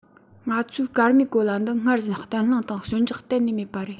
ང ཚོའི སྐར མའི གོ ལ འདི སྔར བཞིན བརྟན ལྷིང དང ཞོད འཇགས གཏན ནས མེད པ རེད